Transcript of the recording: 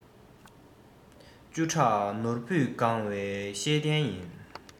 བཅུ ཕྲག ནོར བུས གང བའི ཤེས ལྡན ཡིན